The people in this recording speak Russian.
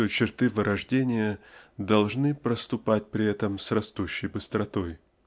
что черты вырождения должны проступать при этом с растущей быстротой.